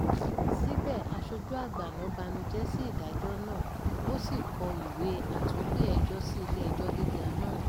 Síbẹ̀, aṣojú àgbà àná banújẹ́ sí ìdájọ́ náà ó sì kọ ìwé àtúnpè-ẹjọ́ sí Ilé-ẹjọ́ Gíga náà: